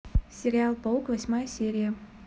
сериал паук восьмая серия